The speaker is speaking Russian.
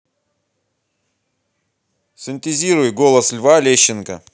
синтезируй голос льва лещенко